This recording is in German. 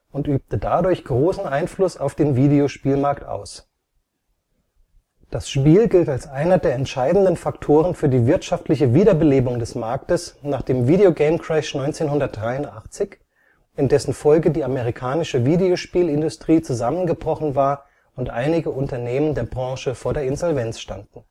und übte dadurch großen Einfluss auf den Videospielmarkt aus. Das Spiel gilt als einer der entscheidenden Faktoren für die wirtschaftliche Wiederbelebung des Marktes nach dem „ Video Game Crash 1983 “, in dessen Folge die amerikanische Videospielindustrie zusammengebrochen war und einige Unternehmen der Branche vor der Insolvenz standen